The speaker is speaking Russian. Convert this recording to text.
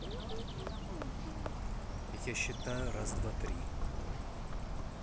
я считаю раз два три